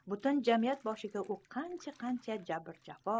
butun jamiyat boshiga u qancha jabr jafo